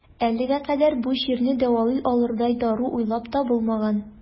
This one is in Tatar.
Әлегә кадәр бу чирне дәвалый алырдай дару уйлап табылмаган.